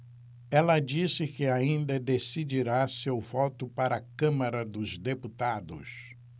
ela disse que ainda decidirá seu voto para a câmara dos deputados